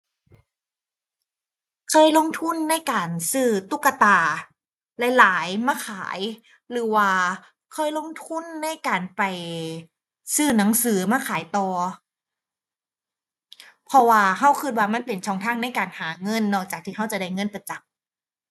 เคยลงทุนในการซื้อตุ๊กตาหลายหลายมาขาย หรือว่าเคยลงทุนในการไปซื้อหนังสือมาขายต่อ เพราะว่าเราเราว่ามันเป็นช่องทางในการหาเงิน นอกจากที่เราจะได้เงินประจำ